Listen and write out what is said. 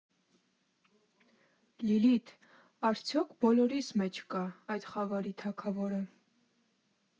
Լիլիթ, արդյո՞ք բոլորիս մեջ կա այդ խավարի թագավորը։